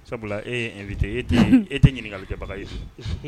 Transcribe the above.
Sabula e e tɛ ɲininkali kɛbaga ye